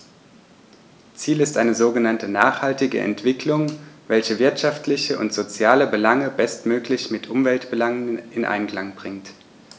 Ziel ist eine sogenannte nachhaltige Entwicklung, welche wirtschaftliche und soziale Belange bestmöglich mit Umweltbelangen in Einklang bringt.